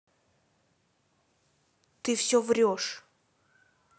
ты все врешь